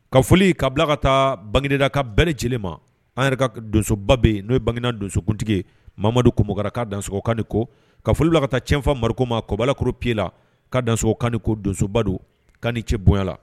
Ka foli ka bila ka taa bangeda ka bɛɛ lajɛlen ma an yɛrɛ ka donsoba bɛ n'o ye bangeina donsokuntigi ma kokura ka dasokan ko ka foli la ka taa cɛnfa mariko ma kɔbalakoro pee la ka dakan ko donsoba don kan cɛ bonyala